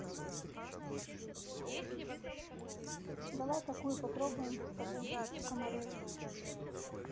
давай такую попробуем с тобой о комарове